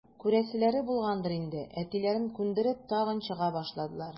Күрәселәре булгандыр инде, әтиләрен күндереп, тагын чыга башладылар.